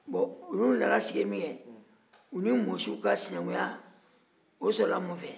bɔ olu nana sigi yen minkɛ u ni mɔsiw ka senakunya o sɔrɔla mun fɛ